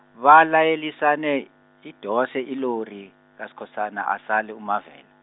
balayelisane, idose ilori, kaSkhosana, asale uMavela.